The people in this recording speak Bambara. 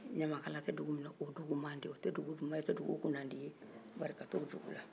ɲamakala tɛ dugu min na o dugu man di o tɛ dugu kunnandi ye barika tɛ o dugu la